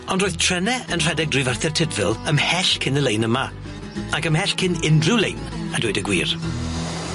Ond roedd trene yn rhedeg drwy Ferthyr Tydfil ymhell cyn y lein yma, ac ymhell cyn unryw lein, a dweud y gwir.